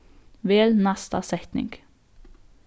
vel næsta setning